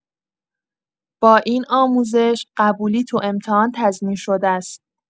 با این آموزش، قبولی تو امتحان تضمین‌شده ست.